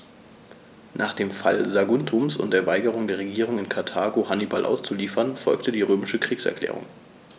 Nach dem Fall Saguntums und der Weigerung der Regierung in Karthago, Hannibal auszuliefern, folgte die römische Kriegserklärung.